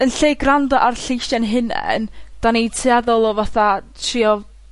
Yn lle gwrando a'r lleisie'n hunen, 'dan ni tueddol o fatha trio,